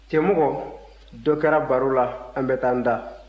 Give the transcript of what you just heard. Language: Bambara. cɛmɔgɔ dɔ kɛra baro la an bɛ taa an da